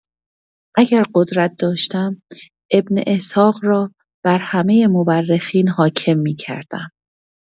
اگر قدرت داشتم ابن اسحاق را بر همه مورخین حاکم می‌کردم.